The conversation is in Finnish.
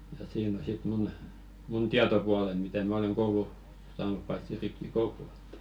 ja siinä on sitten minun minun tietopuoleni mitä minä olen koulua saanut paitsi rippikoulu että